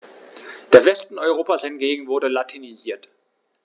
Der Westen Europas hingegen wurde latinisiert.